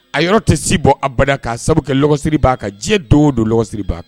A yɔrɔ tɛ si bɔ a bada k'a sababu kɛ dɔgɔ siri b'a kan diɲɛ don o don dɔgɔ siri b'a kan.